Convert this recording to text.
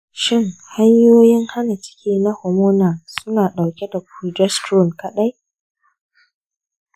shin hanyoyin hana ciki na hormonal suna ɗauke da progesterone kaɗai?